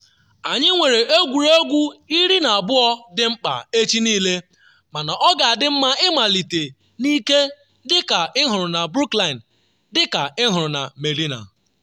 “Anyị nwere egwuregwu 12 dị mkpa echi niile, mana ọ ga-adị mma ịmalite n’ike dịka ịhụrụ na Brookline, dịka ịhụrụ na Medinah.